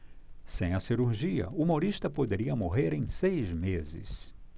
sem a cirurgia humorista poderia morrer em seis meses